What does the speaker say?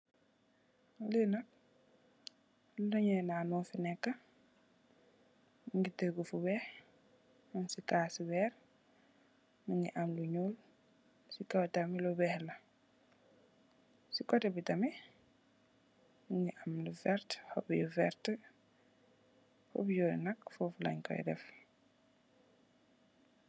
Lii nak, luñé nan mo fi nekka, mungi tegu fu weex mung ci cass yu weex. Mungi am lu ñuol si kaw tamit lu weex la, ci cotebi tamit mungi am lu vert, xob yu vert, xob yoy nakk fof lañ koy def.